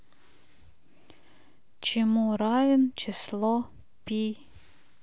чему равен число пи